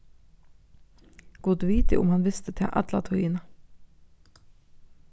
gud viti um hann visti tað alla tíðina